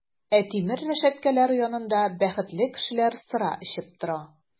Ә тимер рәшәткәләр янында бәхетле кешеләр сыра эчеп тора!